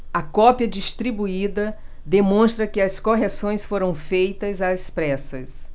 a cópia distribuída demonstra que as correções foram feitas às pressas